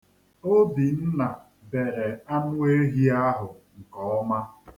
Obinna bere anụ ehi ahụ nke ọma.